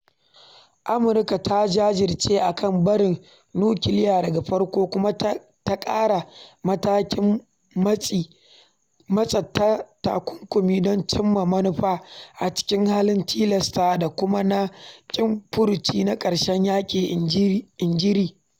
“Amurka ta jajirce a kan “barin nukiliya daga farko” kuma ta ƙara matakin matsai ta takunkumi don cimma manufarta a cikin halin tilastawa, da kuma ma ƙin “furuci na ƙarshen yaƙi,”” inji Ri.